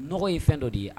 Nɔgɔ ye fɛn dɔ de ye